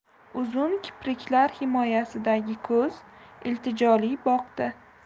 uzun kipriklar himoyasidagi ko'z iltijoli boqdi